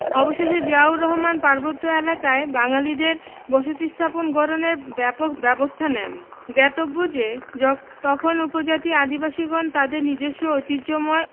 অবশেষে জিয়াউর রহমান পার্বত্য এলাকায় বাঙালিদের বসতী স্থাপন গড়নের ব্যাপক ব্যবস্তা নেন জ্ঞাতব্য যে তখন উপজাতি আদিবাসীগণ তাদের নিজস্ব ঐতিহ্যময়